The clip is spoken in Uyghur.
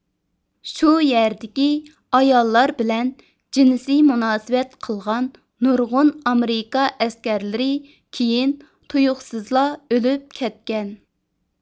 شۇ يەردىكى ئاياللار بىلەن جىنسىي مۇناسىۋەت قىلغان نۇرغۇن ئامېرىكا ئەسكەرلىرى كېيىن تۇيۇقسىزلا ئۆلۈپ كەتكەن